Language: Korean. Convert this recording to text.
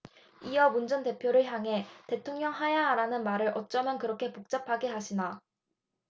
이어 문 전 대표를 향해 대통령 하야하라는 말을 어쩌면 그렇게 복잡하게 하시나